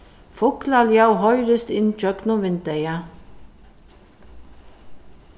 fuglaljóð hoyrist inn gjøgnum vindeygað